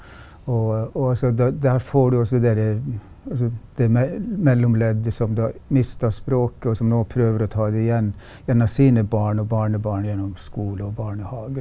og og altså da da får du altså det derre altså det mellomleddet som da mista språket og som nå prøver å ta det igjen gjennom sine barn og barnebarn gjennom skole og barnehager.